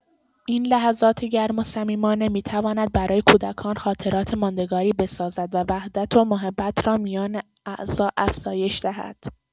این لحظات گرم و صمیمانه می‌تواند برای کودکان خاطرات ماندگاری بسازد و وحدت و محبت را میان اعضا افزایش دهد.